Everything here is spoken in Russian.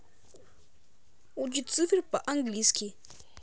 учить цифры по английскому